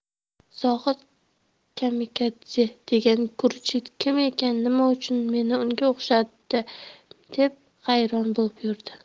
zohid kamikadze degan gurji kim ekan nima uchun meni unga o'xshatdi deb hayron bo'lib yurdi